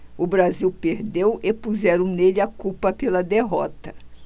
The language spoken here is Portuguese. o brasil perdeu e puseram nele a culpa pela derrota